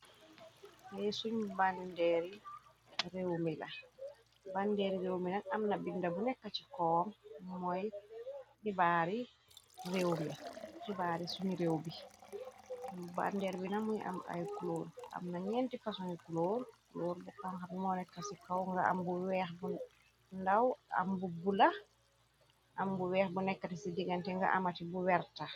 Bandeeri réew mila amna binda bu nekka ci koom mooyi xibaari suñu réew bi bandeer bi namuy am ay cloor amna ñeenti fasanu cloor cloor bu konxat mooneka ci kaw nga ndaw a bula am bu weex bu nekkati ci jigante nga amati bu werta.